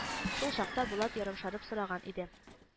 Шул чакта Булат ярымшарып сораган иде: